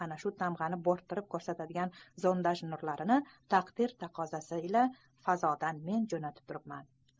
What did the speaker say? ana shu tamg'ani bo'rttirib ko'rsatadigan zondaj nurlarni taqdir taqozosi ila fazodan men jo'natib turibman